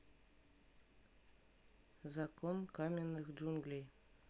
закон каменных джунглей